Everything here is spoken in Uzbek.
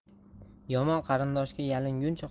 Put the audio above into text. yomon qarindoshga yalinguncha